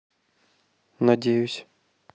надеюсь